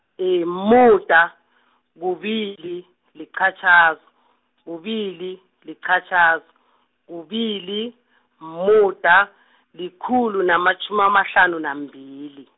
umuda, kubili, liqhatjhaza, kubili, liqhatjhaza, kubili, umuda , likhulu namatjhumi amahlanu nambili.